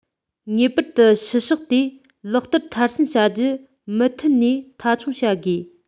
ངེས པར དུ བྱེད ཕྱོགས དེ ལག བསྟར མཐར ཕྱིན བྱ རྒྱུ མུ མཐུད ནས མཐའ འཁྱོངས བྱ དགོས